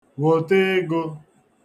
wòte ego